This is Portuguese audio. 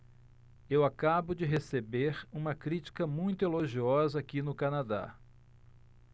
eu acabo de receber uma crítica muito elogiosa aqui no canadá